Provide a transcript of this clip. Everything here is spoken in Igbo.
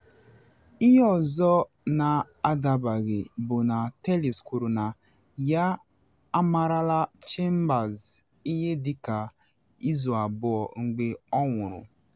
Ihe ọzọ na adabaghị bụ na Tellis kwuru na ya amarala Chambers ihe dị ka izu abụọ mgbe ọ nwụrụ.